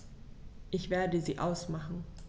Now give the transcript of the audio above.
Ich werde sie ausmachen.